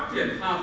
triển hạ